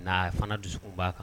N' fana dusu b'a kan